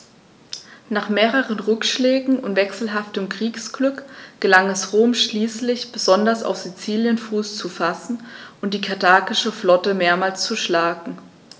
Nach mehreren Rückschlägen und wechselhaftem Kriegsglück gelang es Rom schließlich, besonders auf Sizilien Fuß zu fassen und die karthagische Flotte mehrmals zu schlagen.